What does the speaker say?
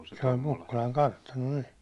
se oli Mukkulan kartano niin